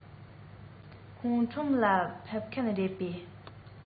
ཁོང ཁྲོམ ལ ཕེབས མཁན རེད པས